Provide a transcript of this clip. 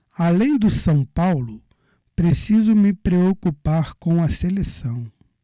além do são paulo preciso me preocupar com a seleção